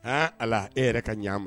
Aa ala e yɛrɛ ka ɲ ma